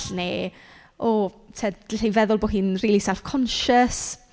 Neu o- f- t- feddwl bod chi'n rili self-conscious.